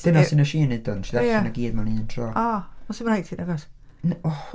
Dyna sut wnes i wneud o, wnes i ddarllen o i gyd mewn un tro... O, oes ddim rhaid ti, nac oes.